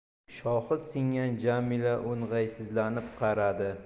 shoxi singan jamila o'ng'aysizlanib qaradi